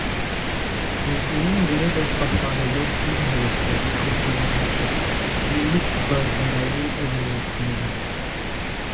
Լուսինեն գրել էր՝ պահպանելով իր հերոսների խոսելաոճը, նույնիսկ բարբառային էլեմենտները։